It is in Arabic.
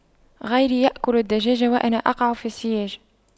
غيري يأكل الدجاج وأنا أقع في السياج